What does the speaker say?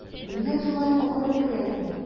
Нигә шулай акырып керәсең?